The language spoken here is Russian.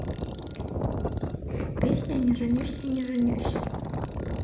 песня не женюсь я не женюсь